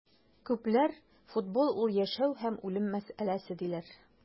Күпләр футбол - ул яшәү һәм үлем мәсьәләсе, диләр.